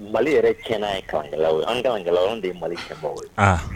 Mɛali yɛrɛ tiɲɛ na ye kalankɛlaw ye . Anw kalankɛlaw anw de ye mali tiɲɛ bagaw ye